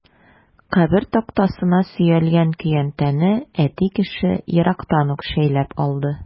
Кабер тактасына сөялгән көянтәне әти кеше ерактан ук шәйләп алды.